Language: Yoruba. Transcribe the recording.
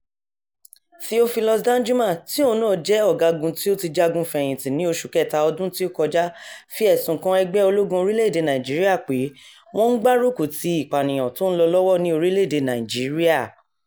Theophilus Danjuma, tí òun náà jẹ́ ọ̀gágun tí ó ti jagun fẹ̀yìntì ní oṣù kẹ́ta ọdún tí ó kọjá fi ẹ̀sùn kan "ẹgbẹ́ ológun orílẹ̀-èdè Nàìjíríà pé wọ́n ń gbárùkù ti ìpànìyàn tó ń lọ lọ́wọ́ ní orílẹ̀-èdè Nàìjíríà".